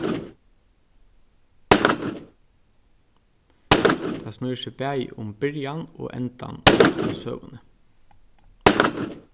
tað snýr seg bæði um byrjan og endan av søguni